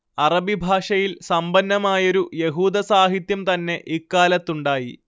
അറബി ഭാഷയിൽ സമ്പന്നമായൊരു യഹൂദസാഹിത്യം തന്നെ ഇക്കാലത്തുണ്ടായി